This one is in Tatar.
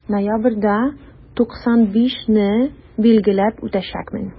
Ноябрьдә 95 не билгеләп үтәчәкмен.